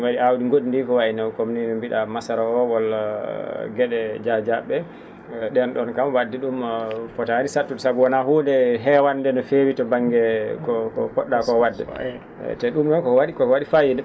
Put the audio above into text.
ne wa?i aawdi gondi ko wayi no comme ni no mbi?a masara o walla ge?a Dia dia?e ?e ?een ?oon kam wad?e ?um fotaani sattude sabu woona huunde heewande no feewi to ba?nge ko ko po??a ko wa?de te ?um noon ko koko wa?i fayida